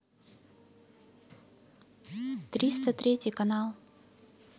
триста третий канал